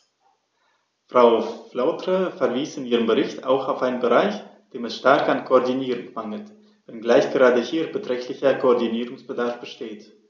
Frau Flautre verwies in ihrem Bericht auch auf einen Bereich, dem es stark an Koordinierung mangelt, wenngleich gerade hier beträchtlicher Koordinierungsbedarf besteht.